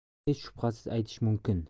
hech shubhasiz aytish mumkin